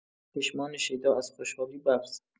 چشمان شیدا از خوشحالی برق زد.